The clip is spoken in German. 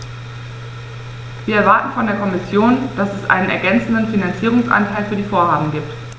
Wir erwarten von der Kommission, dass es einen ergänzenden Finanzierungsanteil für die Vorhaben gibt.